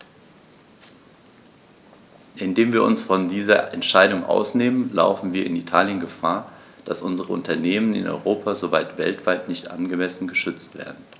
Indem wir uns von dieser Entscheidung ausnehmen, laufen wir in Italien Gefahr, dass unsere Unternehmen in Europa sowie weltweit nicht angemessen geschützt werden.